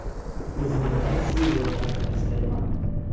o'zimni shu yerdan tashlayman